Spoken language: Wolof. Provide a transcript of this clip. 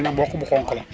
bële nag mboq bu xonq la